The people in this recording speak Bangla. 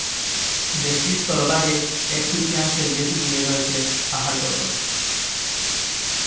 দেশটির স্থলভাগে এক তৃতীয়াংশের বেশি জুড়ে রয়ছে পাহাড় পর্বত